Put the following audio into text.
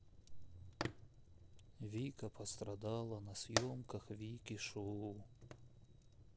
вика пострадала на съемках вики шоу